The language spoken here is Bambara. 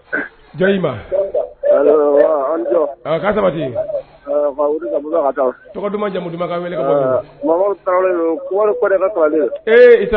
Ti i